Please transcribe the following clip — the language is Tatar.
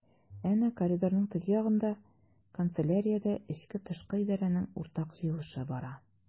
Әнә коридорның теге ягында— канцеляриядә эчке-тышкы идарәнең уртак җыелышы бара.